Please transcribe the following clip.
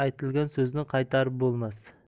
aytilgan so'zni qaytarib bo'lmas